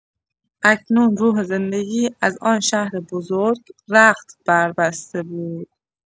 اکنون روح زندگی از آن شهر بزرگ رخت بربسته بود.